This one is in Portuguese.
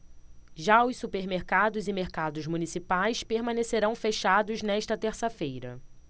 já os supermercados e mercados municipais permanecerão fechados nesta terça-feira